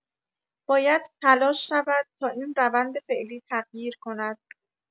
باید تلاش شود تا این روند فعلی تغییر کند